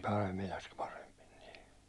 Paimilassa paremmin niin